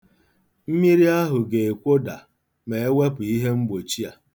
Mmiri ahụ ga-ekwoda ma e wepụ ihe mgbochi a.